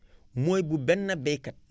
mooy bu benn baykat